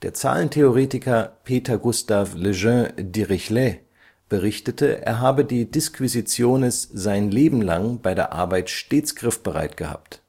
Zahlentheoretiker Peter Gustav Lejeune Dirichlet berichtete, er habe die Disquisitiones sein Leben lang bei der Arbeit stets griffbereit gehabt